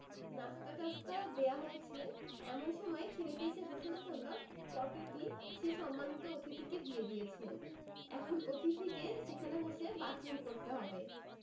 নশিতাটাসতা দেয়া হয়েছে এমন সময় ছেলেটি এসে ঘোষণা করল পটিটি সে সম্মানিত অতিথিকে দিয়ে দিয়েছে এখন অতিথিকে সেখানে বসে বাথরুম করতে হবে